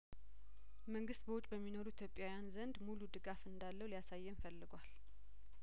መንግስት በውጭ በሚኖሩ ኢትዮጵያውያን ዘንድ ሙሉ ድጋፍ እንዳለው ሊያሳየን ፈልጓል